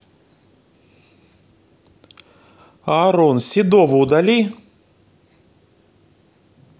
аарон седого удали